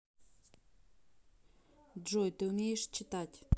джой ты умеешь читать